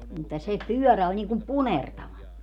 mutta se pyörä oli niin kuin punertava